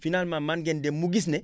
finalement mën ngeen dem mu gis ne